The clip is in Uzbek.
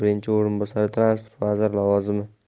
o'rinbosari transport vaziri lavozimi